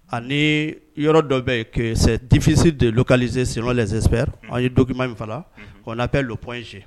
Ani yɔrɔ dɔ bɛ yen que c'est difficile de localiser selon les experts , unhun, an ye document min fɔla, unhun, qu'on appelle le point G .